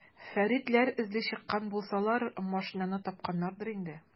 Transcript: Фәритләр эзли чыккан булсалар, машинаны тапканнардыр инде.